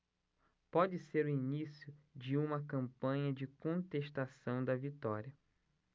pode ser o início de uma campanha de contestação da vitória